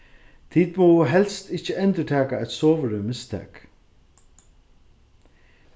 tit mugu helst ikki endurtaka eitt sovorðið mistak